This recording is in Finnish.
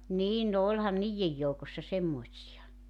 niin no olihan niiden joukossa semmoisia